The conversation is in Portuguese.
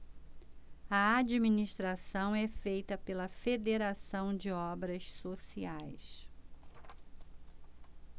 a administração é feita pela fos federação de obras sociais